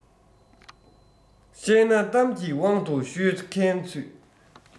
བཤད ན གཏམ གྱི དབང དུ ཤོད མཁན ཚུད